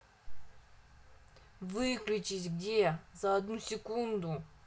выключись где за одну секунду